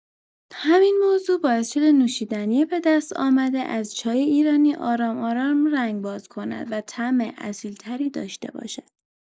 همین موضوع باعث شده نوشیدنی به‌دست‌آمده از چای ایرانی آرام‌آرام رنگ باز کند و طعم اصیل‌تری داشته باشد.